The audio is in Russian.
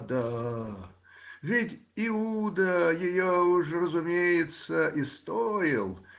да ведь Иуда ее уж, разумеется, и стоил